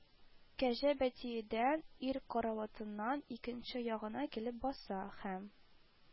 Кәҗә бәтиедәй, ир караватының икенче ягына килеп баса һәм: